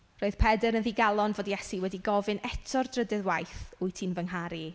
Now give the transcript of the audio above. Roedd Pedr yn ddigalon fod Iesu wedi gofyn eto'r drydydd waith wyt ti'n fy ngharu i?